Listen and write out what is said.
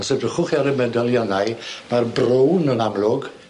Os edrychwch chi ar y medalianau ma'r brown yn amlwg.